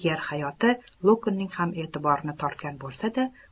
yer hayoti luknning ham e'tiborini tortgan bo'lsa da